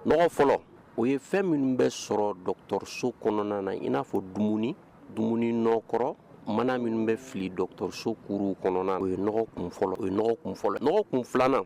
Mɔgɔ fɔlɔ, o ye fɛn minnu bɛ sɔrɔ dɔgɔtɔrɔso kɔnɔna na , in n'a fɔ dumuni dumuni nɔkɔrɔ mana minnu bɛ fili dɔgɔtɔrɔso kuru kɔnɔna na, o ye nɔgɔ kun fɔlɔ ye, kun 2nan